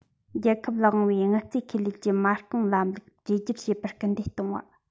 རྒྱལ ཁབ ལ དབང བའི དངུལ རྩའི ཁེ ལས ཀྱི མ རྐང ལམ ལུགས བསྒྱུར བཅོས བྱེད པར སྐུལ སྤེལ གཏོང བ